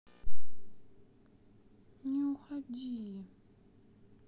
не уходи